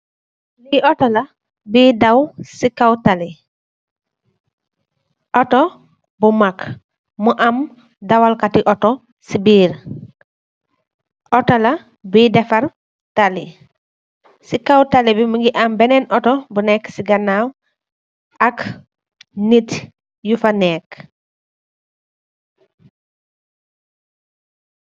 Li auto la bi daw si kaw tali auto bu maag mu ama dawal gati auto si birr auto la bi defar tali si kaw talibi mogi am benen auto bu neka si kanaw ak nitt yufa neka.